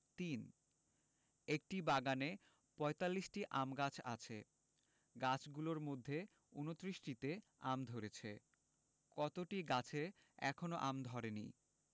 ৩ একটি বাগানে ৪৫টি আম গাছ আছে গাছগুলোর মধ্যে ২৯টিতে আম ধরেছে কতটি গাছে এখনও আম ধরেনি